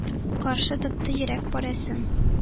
Каршы тотты йөрәк парәсен.